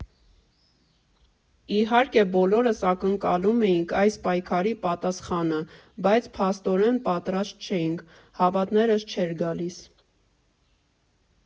Իհարկե, բոլորս ակնկալում էինք այս պայքարի պատասխանը, բայց, փաստորեն, պատրաստ չէինք, հավատներս չէր գալիս։